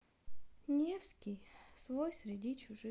невский свой среди чужих